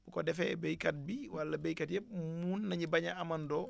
bu ko defee béykat bi wala béykat yëpp mun na ñu bañ a amandoo